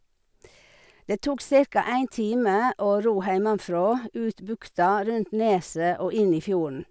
Det tok cirka en time å ro heimefra, ut bukta, rundt neset og inn i fjorden.